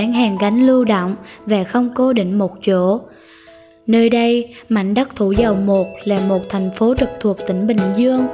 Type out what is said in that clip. là người bán hàng gánh lưu động và không cố định một chỗ nơi đây mảnh đất thủ dầu một là một thành phố trực thuộc tỉnh bình dương